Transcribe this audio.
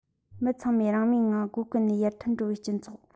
མི ཚང མ རང མོས ངང སྒོ ཀུན ནས ཡར ཐོན འགྲོ བའི སྤྱི ཚོགས